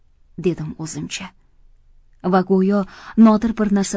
dedim o'zimcha va go'yo nodir bir narsa